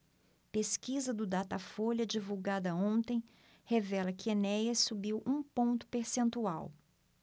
pesquisa do datafolha divulgada ontem revela que enéas subiu um ponto percentual